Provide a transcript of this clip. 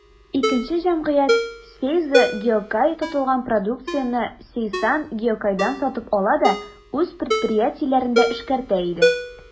Икенче җәмгыять, «Сейзо Гиокай», тотылган продукцияне «Сейсан Гиокайдан» сатып ала да үз предприятиеләрендә эшкәртә иде.